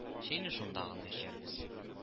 Чәйне шунда гына эчәрбез